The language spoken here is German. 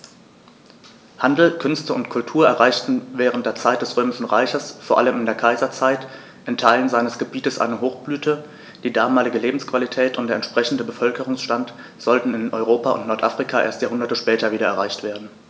Handel, Künste und Kultur erreichten während der Zeit des Römischen Reiches, vor allem in der Kaiserzeit, in Teilen seines Gebietes eine Hochblüte, die damalige Lebensqualität und der entsprechende Bevölkerungsstand sollten in Europa und Nordafrika erst Jahrhunderte später wieder erreicht werden.